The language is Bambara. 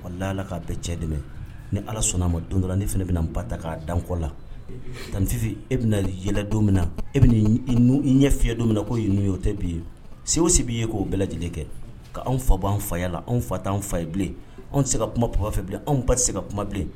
Wala ala k'a bɛɛ cɛ dɛmɛ ni ala sɔnna'a ma don dɔrɔn ni fana bɛna n ba ta k'a da kɔ la tanfifin e bɛna yɛlɛ don min na e bɛ ɲɛ fiɲɛ don min na'o ye n'u y'o tɛ bi ye segusi b'i ye k'o bɛɛ lajɛlen kɛ ka anw fa b'an fayala anw fa'an fa ye bilen anw se ka kumafɛ bilen anw ba se ka kuma bilen